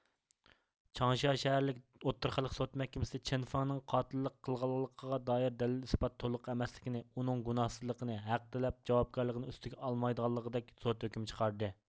چاڭشيا شەھەرلىك ئوتتۇرا خەلق سوت مەھكىمىسىچېن فېڭنىڭ قاتىللىق قىلغانلىقىغا دائىر دەلىل ئىسپات تولۇق ئەمەسلىكىنى ئۇنىڭ گۇناھسىزلىقىنى ھەق تەلەپ جاۋابكارلىقىنى ئۈستىگە ئالمايدىغانلىقىدەك سوت ھۆكۈمى چىقاردى